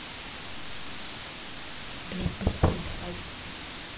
блядь быстрей давай